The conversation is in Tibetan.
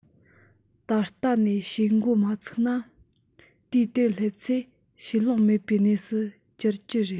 ད ལྟ ནས བྱེད འགོ མ བཙུགས ན དུས དེར སླེབས ཚེ བྱེད ལོང མེད པའི གནས སུ གྱར གྱི རེད